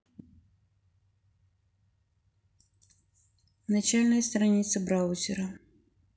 начальная страница браузера